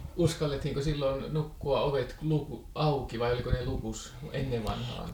uskallettiinko silloin nukkua ovet auki vai oliko ne lukossa ennen vanhaan